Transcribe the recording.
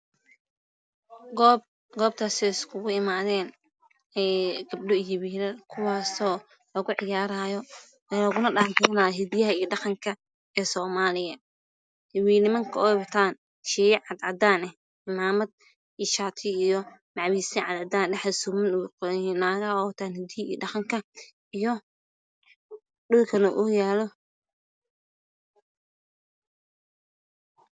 goob goobtaas oo ay isku imaadeen Gabdho iyo wiilal kuwaa soo lagu ciyaraayo laguna dhaanteeynaayo hidiyaha iyo dhaqanka soomaliaya nimanka ay wataan sheeyo cad cadaan ah cimaamado cad cadaan suuman dhaxda ugu xiran yihiin naagaha wataan dharka hidiyo dhaqanka